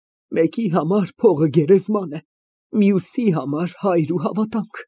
Մեկի համար փողը գերեզման է, մյուսի համար հայր ու հավատամք։